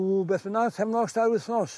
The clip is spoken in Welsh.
Ww beth bynnag 'thefnos ta'r wythnos.